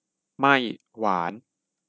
ไม่หวาน